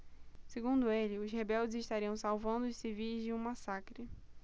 segundo ele os rebeldes estariam salvando os civis de um massacre